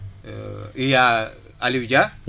il y' a Aliou Dia